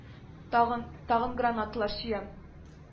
Тагын, тагын гранаталар чөям